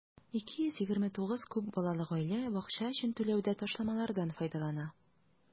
229 күп балалы гаилә бакча өчен түләүдә ташламалардан файдалана.